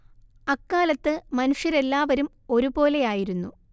അക്കാലത്ത്‌ മനുഷ്യരെല്ലാവരും ഒരുപോലെയായിരുന്നു